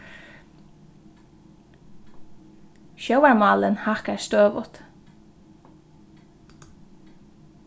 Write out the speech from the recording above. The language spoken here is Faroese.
sjóvarmálin hækkar støðugt